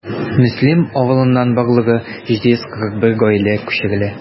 Мөслим авылыннан барлыгы 741 гаилә күчерелә.